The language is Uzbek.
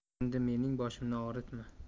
endi mening boshimni og'ritma